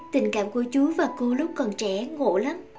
tình cảm của chú và cô lúc còn trẻ ngộ lắm